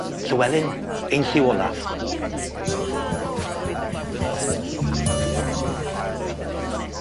Llywelyn ein lliw olaf.